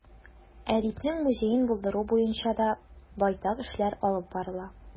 Әдипнең музеен булдыру буенча да байтак эшләр алып барыла.